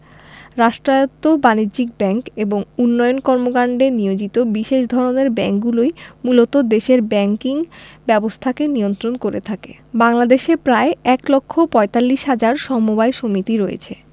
রাষ্ট্রায়ত্ত বাণিজ্যিক ব্যাংক এবং উন্নয়ন কর্মকান্ডে নিয়োজিত বিশেষ ধরনের ব্যাংকগুলোই মূলত দেশের ব্যাংকিং ব্যবস্থাকে নিয়ন্ত্রণ করে থাকে বাংলাদেশে প্রায় এক লক্ষ পয়তাল্লিশ হাজার সমবায় সমিতি রয়েছে